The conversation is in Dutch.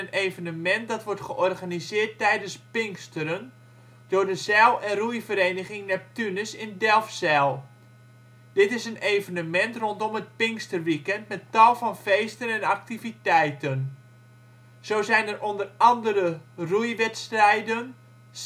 evenement dat wordt georganiseerd tijdens Pinksteren door de zeil - en roeivereniging Neptunus in Delfzijl. Dit is een evenement rondom het pinksterweekend met tal van feesten en activiteiten. Zo zijn er onder andere roeiwedstrijden, zeilwedstrijden